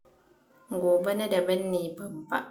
Gobe na daban ne babba.